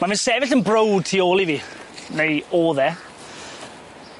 Ma' fe'n sefyll yn browd tu ôl i fi. Neu o'dd e.